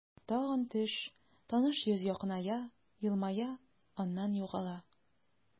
Тагын төш, таныш йөз якыная, елмая, аннан югала.